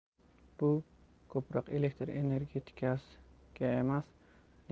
bu ko'proq elektr energetikaga